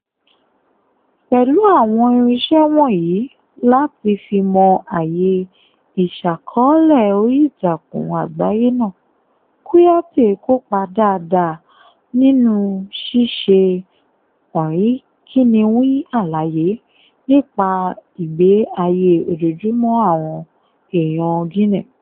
Pẹ̀lú àwọn irinṣẹ́ wọ̀nyìí láti fi mọ àyè ìṣàkọọ́lẹ̀ oríìtakùn àgbáyé náà, Kouyaté kópa dáadáa nínú ṣíṣe ọ̀rínkinnínwìn àlàyé nípa ìgbé ayé ojoojúmọ́ àwọn èèyàn Guinea.